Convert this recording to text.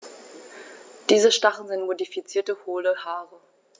Diese Stacheln sind modifizierte, hohle Haare.